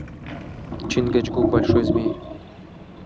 чингачгук большой змей